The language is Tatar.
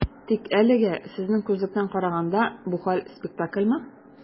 Тик әлегә, сезнең күзлектән караганда, бу хәл - спектакльмы?